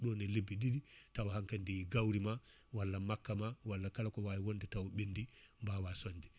ɗon e lebbi ɗiɗi tawa hankkandi gawrima walla makka ma walla kala ko wawi wonde taw ɓendi mbawa cooñde